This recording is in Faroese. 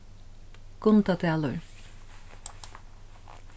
gundadalur